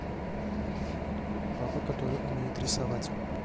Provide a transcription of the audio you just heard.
папа который умеет рисовать